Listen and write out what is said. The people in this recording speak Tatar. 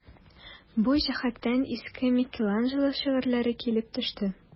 Бу җәһәттән искә Микеланджело шигырьләре килеп төште.